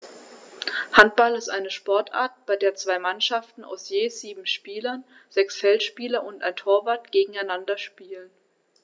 Handball ist eine Sportart, bei der zwei Mannschaften aus je sieben Spielern (sechs Feldspieler und ein Torwart) gegeneinander spielen.